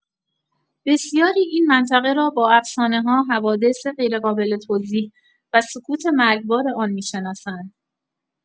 بسیاری این منطقه را با افسانه‌ها، حوادث غیرقابل توضیح و سکوت مرگبار آن می‌شناسند.